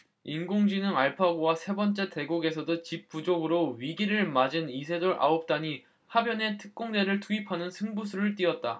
인공지능 알파고와 세 번째 대국에서도 집 부족으로 위기를 맞은 이세돌 아홉 단이 하변에 특공대를 투입하는 승부수를 띄웠다